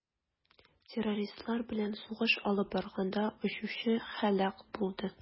Террористлар белән сугыш алып барганда очучы һәлак булды.